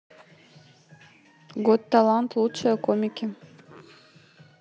год талант лучшее комики